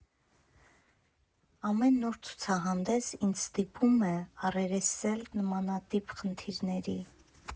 Ամեն նոր ցուցահանդես ինձ ստիպում է առերեսել նմանատիպ խնդիրների։